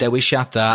dewisiada'